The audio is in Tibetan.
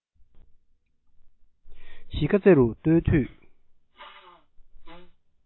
གཞིས ཀ རྩེ རུ བརྟོལ དུས